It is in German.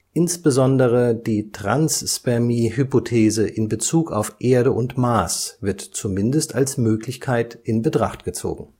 Insbesondere die Transspermie-Hypothese in Bezug auf Erde und Mars wird zumindest als Möglichkeit in Betracht gezogen